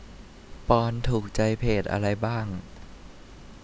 ปอนด์ถูกใจเพจอะไรบ้าง